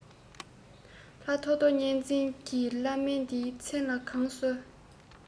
ལྷ ཐོ ཐོ གཉན བཙན གྱི བླ སྨན པ དེའི མཚན ལ གང གསོལ